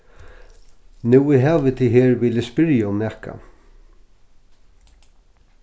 nú eg havi teg her vil eg spyrja um nakað